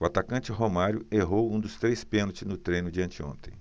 o atacante romário errou um dos três pênaltis no treino de anteontem